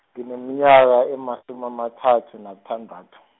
ngineminyaka emasumi amathathu nathandathu.